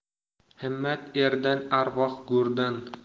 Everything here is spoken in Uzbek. himmat erdan arvoh go'rdan